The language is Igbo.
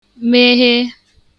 meghe